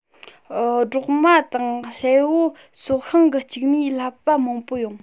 སྤྲོག མ དང སླེལ པོ སོགས ཤིང གི ལྕུག མས བསླབ པ མང པོ ཡོང